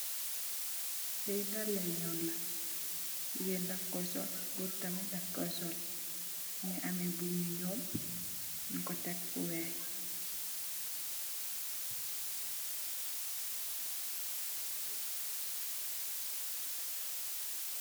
Lii dalah yu njull la, gigain dafkoi sol, gorre tamit dafkoi sol, mungy ameh buum yu njull, njung kor tek fu wekh.